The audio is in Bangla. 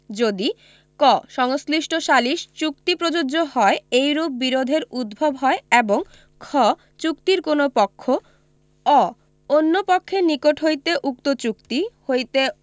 যদি ক সংশ্লিষ্ট সালিস চুক্তি প্রযোজ্য হয় এইরূপ বিরোধের উদ্ভব হয় এবং খ চুক্তির কোন পক্ষ অ অন্য পক্ষের নিকট হইতে উক্ত চুক্তি হইতে